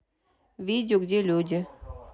видео где люди